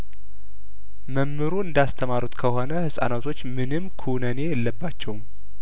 መምሩ እንዳስ ተማሩት ከሆነ ህጻናቶች ምንም ኩነኔ የለባቸውም